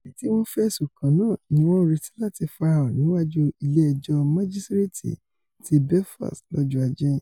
Ẹnití wọn fẹ̀sùn kàn náà níwọn ńretí láti farahàn níwájú Ilé Ẹjọ́ Majisireti ti Belfast lọ́jọ́ Ajé.